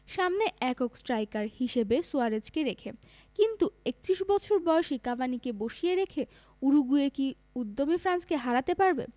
সামনে একক স্ট্রাইকার হিসেবে সুয়ারেজকে রেখে কিন্তু ৩১ বছর বয়সী কাভানিকে বসিয়ে রেখে উরুগুয়ে কি উদ্যমী ফ্রান্সকে হারাতে পারবে